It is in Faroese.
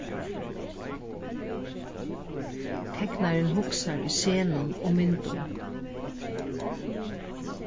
teknarin hugsar í senum og myndum